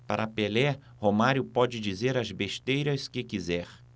para pelé romário pode dizer as besteiras que quiser